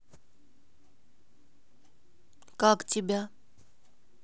как тебя